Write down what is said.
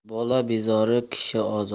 bola bezori kishi ozori